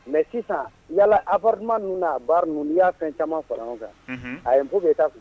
Mɛ sisan yalala ar ninnu'ar ninnu n' y'a fɛn caman fara kan a yep bɛ yen